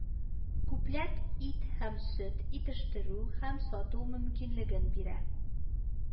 Күпләп ит һәм сөт итештерү һәм сату мөмкинлеген бирә